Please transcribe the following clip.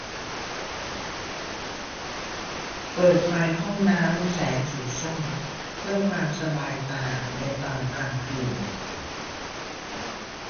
เปิดไฟห้องน้ำแสงสีส้มเพื่อความสบายตาในตอนกลางคืน